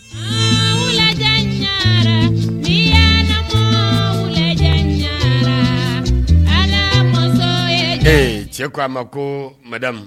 An wula janya la; n dianna mɔgɔ wula janya allah muso ye den ee, cɛ ko a ma ko madamu